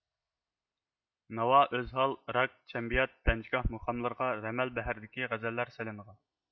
ناۋا ئۆزھال راك چەببىيات پەنجىگاھ مۇقاملىرىغا رەمەل بەھرىدىكى غەزەللەر سېلىنغان